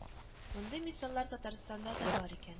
Мондый мисаллар Татарстанда да бар икән